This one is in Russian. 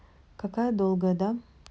какая долгая да